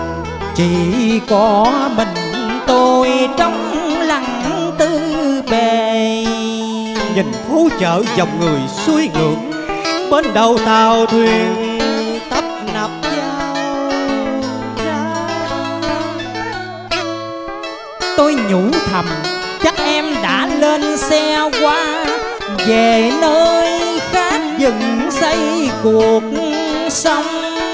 chỉ có mình tôi trống lặng tư bề nhìn phố chợ dòng người xuôi ngược bến đậu tàu thuyền tấp nập vào ra tôi nhủ thầm chắc em đã lên xe hoa về nơi khác dựng xây cuộc sống